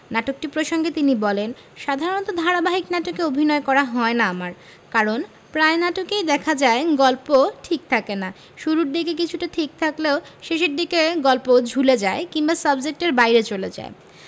নাটকটি প্রসঙ্গে তিনি বলেন সাধারণত ধারাবাহিক নাটকে অভিনয় করা হয় না আমার কারণ প্রায় নাটকেই দেখা যায় গল্প ঠিক থাকে না শুরুর দিকে কিছুটা ঠিক থাকলেও শেষের দিকে গল্প ঝুলে যায় কিংবা সাবজেক্টের বাইরে চলে যায়